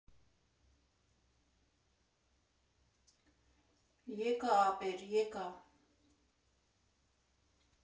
֊ Եկա, ապեր, եկա…